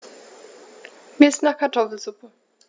Mir ist nach Kartoffelsuppe.